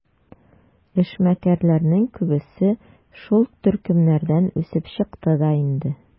Эшмәкәрләрнең күбесе шул төркемнәрдән үсеп чыкты да инде.